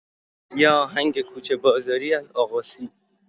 یه آهنگ کوچه‌بازاری از آغاسی